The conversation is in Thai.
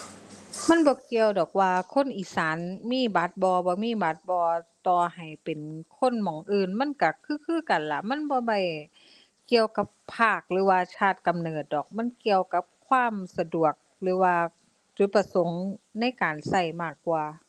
มันบ่เกี่ยวดอกว่าคนอีสานมีบัตรบ่ บ่มีบัตรบ่ ต่อให้เป็นคนหม้องอื่นมันก็คือคือกันล่ะ มันบ่ได้เกี่ยวกับภาคหรือว่าชาติกำเนิดดอก มันเกี่ยวกับความสะดวก หรือว่าจุดประสงค์ในการก็มากกว่า